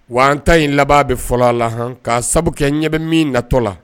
Wa ta in laban bɛ fɔlɔ laha ka sabu kɛ ɲɛ bɛ min natɔ la